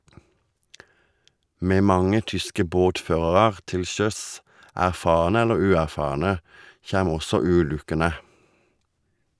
Med mange tyske båtførarar til sjøs, erfarne eller uerfarne, kjem også ulukkene.